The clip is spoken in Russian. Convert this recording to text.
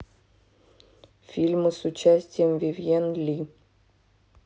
фильмы с участием вивьен ли